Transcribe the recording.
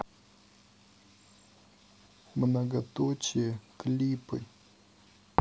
многоточие клипы